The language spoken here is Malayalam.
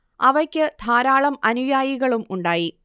അവയ്ക്ക് ധാരാളം അനുയായികളും ഉണ്ടായി